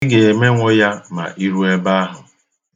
Ị ga-emenwo ya ma i ruo ebe ahụ.